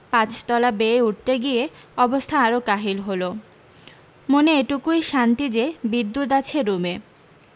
পাঁচ তলা বেয়ে উঠতে গিয়ে অবস্থা আরো কাহিল হলো মনে এটুকুি শান্তি যে বিদ্যুত আছে রুমে